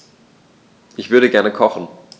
Ich würde gerne kochen.